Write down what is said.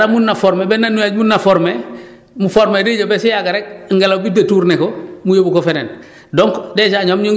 comme nu ma ko waxee dara mun na former benn nuage mun naa former mu former di ba si yàgg rek ngelaw bi détourner ko mu yóbbu ko feneen